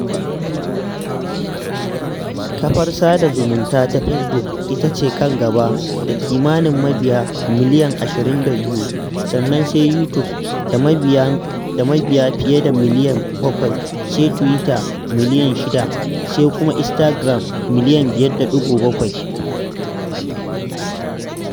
Kafar sada zumunta ta Facebook ita ce kan gaba da kimanin mabiya miliyan 22, sannan sai YouTube (da mabiya fiye da miliyan 7), sai Twitter (Miliyan 6) sai kuma Instagram (milyan 5.7).